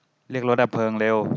เรียกรถดับเพลิงเร็ว